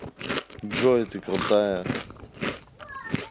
джой ты крутая